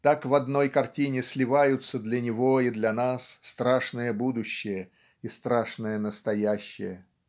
так в одной картине сливаются для него и для нас страшное будущее и страшное настоящее.